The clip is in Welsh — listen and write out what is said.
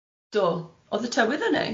Do, o'dd y tywydd yn neis.